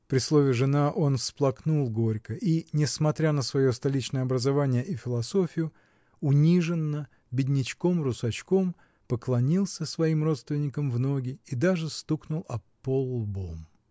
При слове "жена" он всплакнул горько и, несмотря на свое столичное образование и философию, униженно, беднячком-русачком поклонился своим родственникам в ноги и даже стукнул о пол лбом.